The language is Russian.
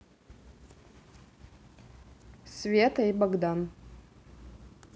света и богдан